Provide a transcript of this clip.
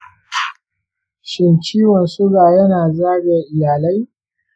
shin ciwon suga ya na zagaya iyalai?